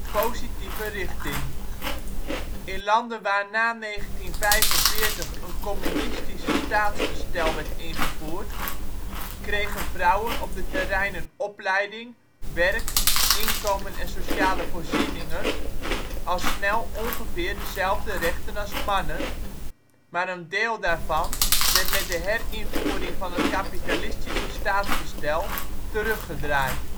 positieve richting. In landen waar na 1945 een communistisch staatsbestel werd ingevoerd kregen vrouwen op de terreinen opleiding, werk, inkomen en sociale voorzieningen al snel ongeveer dezelfde rechten als mannen, maar een deel daarvan werd met de herinvoering van het kapitalistische staatsbestel teruggedraaid